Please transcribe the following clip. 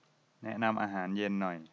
แนะนำอาหารเย็นหน่อย